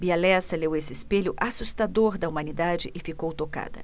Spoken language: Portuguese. bia lessa leu esse espelho assustador da humanidade e ficou tocada